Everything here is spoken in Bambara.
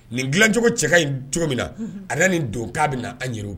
Nin dilacogo cɛ ka ɲi cogo min na a nana nin don k'a bɛ na an yɛrɛ